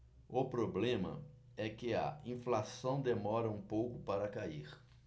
o problema é que a inflação demora um pouco para cair